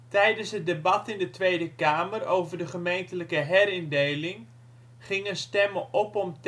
Tijdens het debat in de Tweede Kamer over de gemeentelijke herindeling gingen stemmen op om